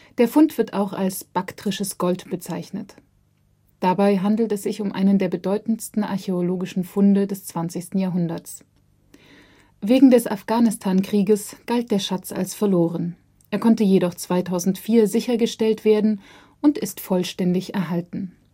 Der Fund wird auch als „ baktrisches Gold “bezeichnet. Dabei handelt es sich um einen der bedeutendsten archäologischen Funde des 20. Jahrhunderts. Wegen des Afghanistankrieges galt der Schatz als verloren. Er konnte jedoch 2004 sichergestellt werden und ist vollständig erhalten